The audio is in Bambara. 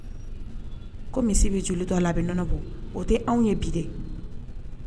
Ko misi bɛ joli to la a bɛɔnɔ bɔ o tɛ anw ye bi dɛ